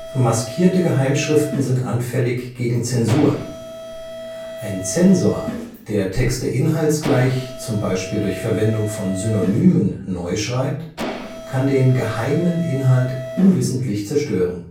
Maskierte Geheimschriften sind anfällig gegen Zensur: Ein Zensor, der Texte inhaltsgleich zum Beispiel durch Verwendung von Synonymen neu schreibt, kann den geheimen Inhalt unwissentlich zerstören